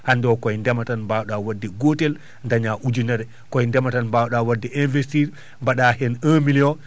hannde koye ndema tan mbawɗa waɗde gootel dañaa ujunere koye ndema tan mbawɗa waɗde investir mbaɗa heen un millions